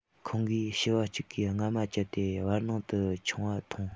ཁོང གིས བྱི བ གཅིག གིས རྔ མ སྤྱད དེ བར སྣང དུ འཕྱངས པ མཐོང